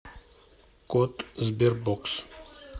кот sberbox